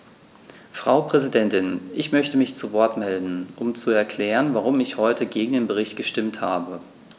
Frau Präsidentin, ich möchte mich zu Wort melden, um zu erklären, warum ich heute gegen den Bericht gestimmt habe.